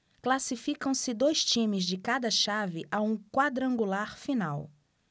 classificam-se dois times de cada chave a um quadrangular final